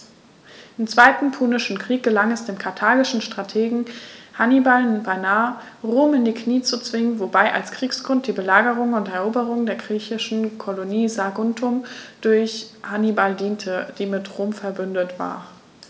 Im Zweiten Punischen Krieg gelang es dem karthagischen Strategen Hannibal beinahe, Rom in die Knie zu zwingen, wobei als Kriegsgrund die Belagerung und Eroberung der griechischen Kolonie Saguntum durch Hannibal diente, die mit Rom „verbündet“ war.